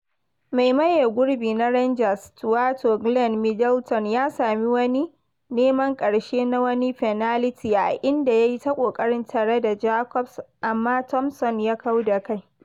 Mai maye gurbi na Rangers twato Glenn Middleton ya sami wani neman ƙarshe na wani fenalti a inda ya yi ta ƙoƙarin tare da Jacobs amma Thomson ya kau da kai.